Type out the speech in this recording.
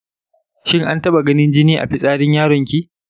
shin an taɓa ganin jini a fitsarin yaron ki?